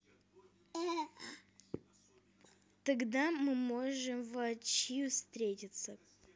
тогда мы можем воочию встретиться